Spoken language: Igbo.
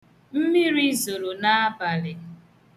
Mmiri zoro n' abalị.